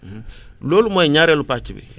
loolu mooy ñaareelu pàcc bi